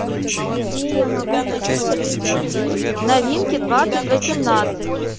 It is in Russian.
новинки двадцать восемнадцать